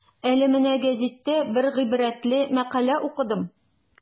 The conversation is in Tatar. Әле менә гәзиттә бер гыйбрәтле мәкалә укыдым.